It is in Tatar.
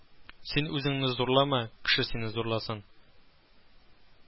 Син үзеңне зурлама, кеше сине зурласын